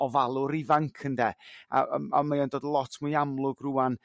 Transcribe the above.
ofalwr ifanc ynde? A yrr a mae o'n dod lot mwy amlwg rwan.